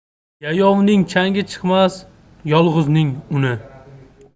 yayovning changi chiqmas yolg'izning uni